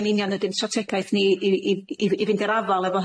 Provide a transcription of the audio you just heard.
yn union ydi'n strategaeth ni i i i f- i fynd i'r afal efo